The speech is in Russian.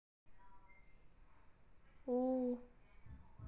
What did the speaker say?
у